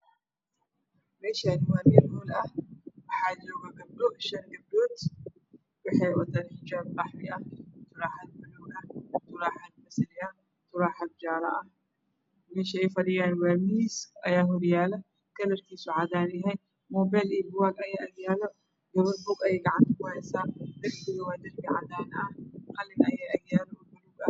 Meeshaan waa meel howl ah waxaa jooga gabdho shan gabdhood waxay wataan xijaab turaaxad yaal . turaaxado madow ah turaaxad basali ah turaaxad jaalo ah meesha ay fadhiyaan waa miis ayaa hor yaalo kalarkiisa cagaar yahay moobeel iyo buugagaag ayaa agyaalo gabar buug ayay gacanta ku haysaa darbigana waa darbi cadaan ah qalinayaa agyaala baluug ah.